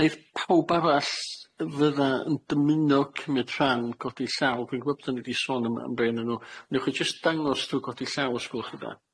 Neith pawb arall fydda yn dymuno cymyd rhan godi llaw? Dwi'n gwbod bo' 'dan ni wedi sôn am am rei o'nyn nw. Newch chi jyst dangos trw godi llaw os gwelwch yn dda.